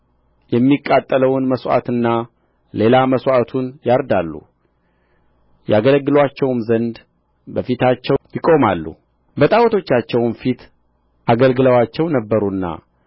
የሚቃጠለውን መሥዋዕትና ሌላ መሥዋዕቱን ያርዳሉ ያገለግሉአቸውም ዘንድ በፊታቸው ይቆማሉ በጣዖቶቻቸውም ፊት አገልግለዋቸው ነበሩና